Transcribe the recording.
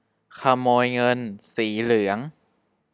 ขโมยเงินสีเหลือง